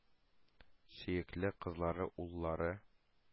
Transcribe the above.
Сөекле кызлары, уллары.